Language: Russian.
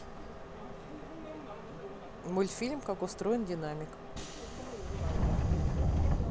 мультфильм как устроен динамик